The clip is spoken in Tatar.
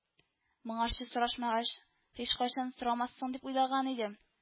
— моңарчы сорашмагач, һичкайчан сорамассың дип уйлаган идем